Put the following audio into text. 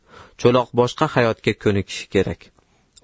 cho'loq boshqa hayotga ko'nikishi kerak